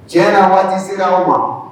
Cɛ waati sera o ma